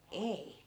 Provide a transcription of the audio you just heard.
ei